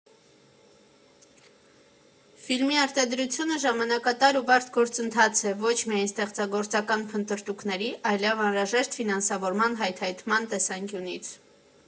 Ֆիլմի արտադրությունը ժամանակատար ու բարդ գործընթաց է ոչ միայն ստեղծագործական փնտրտուքների, այլև անհրաժեշտ ֆինանսավորման հայթայթման տեսանկյունից։